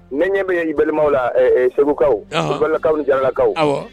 Ne ɲɛ bɛ yen i balimamaw la segukawlakaw jaralakaw